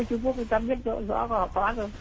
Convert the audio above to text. trung quốc thì ta biết rõ quá rõ rồi